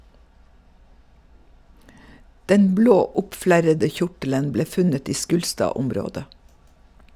Den blå oppflerrede kjortelen ble funnet i Skulstadområdet.